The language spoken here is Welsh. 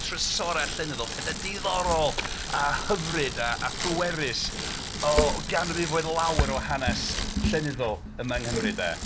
Trysorau llenyddol, pethe diddorol a hyfryd a a phwerus o o ganrifoedd lawer o hanes llenyddol yma yng Nghymru de.